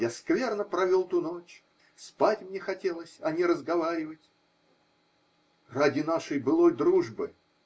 я скверно провел ту ночь, спать мне хотелось, а не разговаривать. -- Ради нашей былой дружбы!